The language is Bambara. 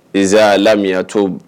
Na lammiya to